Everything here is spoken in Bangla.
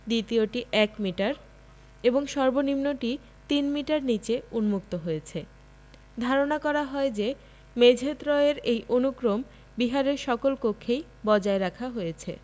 দ্বিতীয়টি ১মিটার এবং সর্বনিম্নটি ৩মিটার নিচে উন্মুক্ত হয়েছে ধারণা করা হয় যে মেঝেত্রয়ের এই অনুক্রম বিহারের সকল কক্ষেই বজায় রাখা হয়েছে